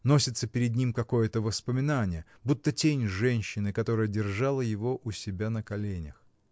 носится перед ним какое-то воспоминание, будто тень женщины, которая держала его у себя на коленях.